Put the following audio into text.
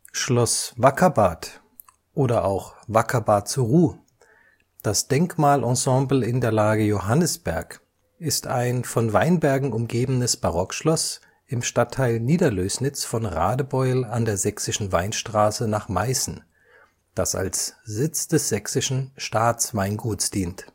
Schloss Wackerbarth oder auch Wackerbarths Ruh’, das Denkmalensemble in der Lage Johannisberg, ist ein von Weinbergen umgebenes Barockschloss im Stadtteil Niederlößnitz von Radebeul an der Sächsischen Weinstraße nach Meißen, das als Sitz des Sächsischen Staatsweinguts dient